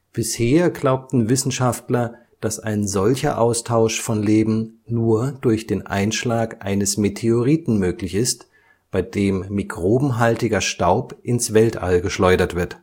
Bisher glaubten Wissenschaftler, dass ein solcher Austausch von Leben nur durch den Einschlag eines Meteoriten möglich ist, bei dem mikrobenhaltiger Staub ins Weltall geschleudert wird